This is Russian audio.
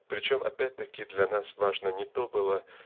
причем опять таки для нас важно не то было